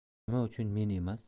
nima uchun men emas